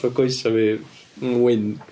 Ma' coesau fi, yn wyn.